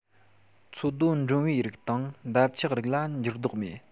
འཚོ སྡོད འགྲོན བུའི རིགས དང འདབ ཆགས རིགས ལ འགྱུར ལྡོག མེད